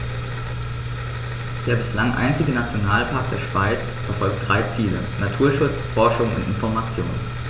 Der bislang einzige Nationalpark der Schweiz verfolgt drei Ziele: Naturschutz, Forschung und Information.